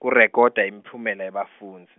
kurekhoda imiphumela yebafundzi.